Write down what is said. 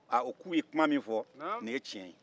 a u k'u ye kuma min fɔ nin ye tiɲɛ ye